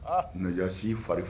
Nɛgɛsi fari